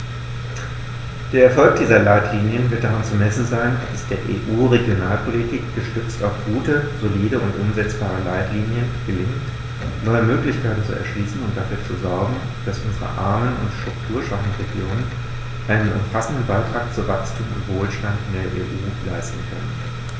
Der Erfolg dieser Leitlinien wird daran zu messen sein, ob es der EU-Regionalpolitik, gestützt auf gute, solide und umsetzbare Leitlinien, gelingt, neue Möglichkeiten zu erschließen und dafür zu sorgen, dass unsere armen und strukturschwachen Regionen einen umfassenden Beitrag zu Wachstum und Wohlstand in der EU leisten können.